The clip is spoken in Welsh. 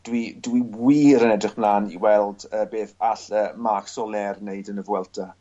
dwi dwi wir yn edrych mlan i weld yy beth all yy Marc Soler neud yn y Vuelta.